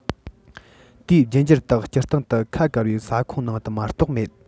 དེའི རྒྱུད འགྱུར དག སྤྱིར བཏང དུ ཁ བཀར བའི ས ཁོངས ནང དུ མ གཏོགས མེད